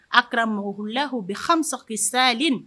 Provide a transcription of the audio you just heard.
Akramouhou boulahou bi khamsa fi saalin